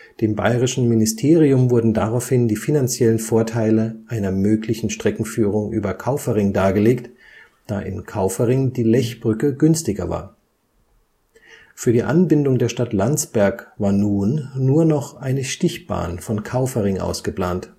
Dem bayerischen Ministerium wurden daraufhin die finanziellen Vorteile einer möglichen Streckenführung über Kaufering dargelegt, da in Kaufering die Lechbrücke günstiger war. Für die Anbindung der Stadt Landsberg war nun nur noch eine Stichbahn von Kaufering aus geplant